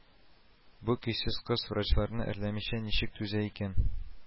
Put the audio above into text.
Бу көйсез кыз врачларны әрләмичә ничек түзә икән